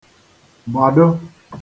gbàdo